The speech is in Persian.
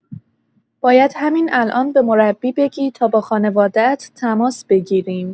باید همین الان به مربی بگی تا با خانواده‌ات تماس بگیریم.